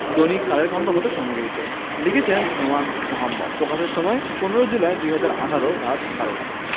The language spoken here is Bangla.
দৈনিক কালের কন্ঠ হতে সংগৃহীত লিখেছেন নোমান মোহাম্মদ প্রকাশের সময় ১৫ জুলাই ২০১৮ রাত ১২ টা